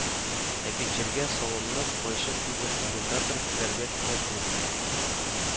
Ә бит җиргә салымны пайчы түгел, арендатор түләргә мәҗбүр